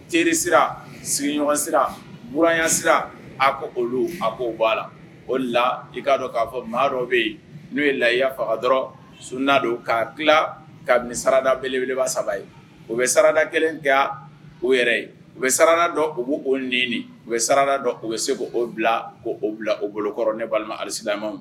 Teri sira sigiɲɔgɔn sirauraya sira a ko olu a k'o bɔ a la o la i'a dɔn k'a fɔ maa dɔ bɛ yen n'o ye layiya faga dɔrɔn su' don ka dilan ka misadabelebeleba saba ye o bɛ sarada kelen kɛ o yɛrɛ ye u bɛ sara dɔn u b' oo nini u bɛ sara dɔn u bɛ se k' oo bila o'o bila o golokɔrɔ ne balima alisalama